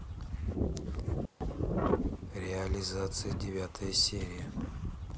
реализация девятая серия